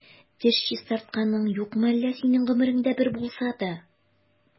Теш чистартканың юкмы әллә синең гомереңдә бер булса да?